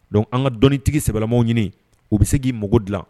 Dɔnku an ka dɔnnitigi sɛlalaw ɲini u bɛ se k'i mago dilan